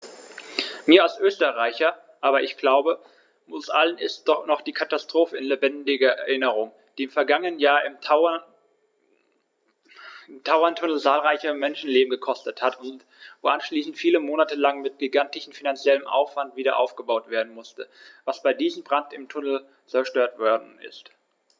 Mir als Österreicher, aber ich glaube, uns allen ist noch die Katastrophe in lebendiger Erinnerung, die im vergangenen Jahr im Tauerntunnel zahlreiche Menschenleben gekostet hat und wo anschließend viele Monate lang mit gigantischem finanziellem Aufwand wiederaufgebaut werden musste, was bei diesem Brand im Tunnel zerstört worden ist.